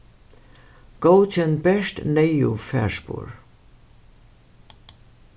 góðkenn bert neyðug farspor